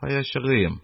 Кая чыгыйм?